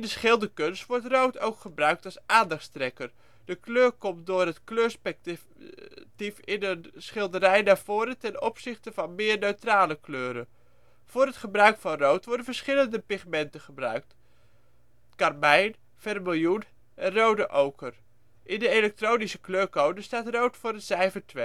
schilderkunst wordt rood ook gebruikt als een aandachtstrekker. De kleur komt door het kleurperspectief in een schilderij naar voren ten opzichte van meer neutrale kleuren. Voor het gebruik van rood worden verschillende pigmenten gebruikt: karmijn (karmozijn) vermiljoen rode oker In de elektronische kleurcode staat rood voor het cijfer 2.